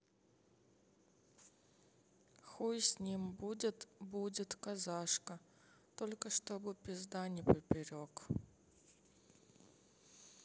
хуй с ним будет будет казашка только чтобы пизда не поперек